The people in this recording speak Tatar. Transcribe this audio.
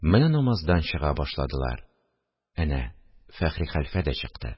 Менә намаздан чыга башладылар. – Әнә Фәхри хәлфә дә чыкты